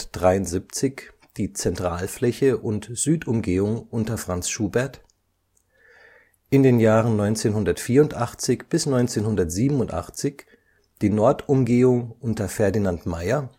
1973 „ Zentralfläche “und Südumgehung unter Franz Schubert 1984 – 1987 Nordumgehung unter Ferdinand Maier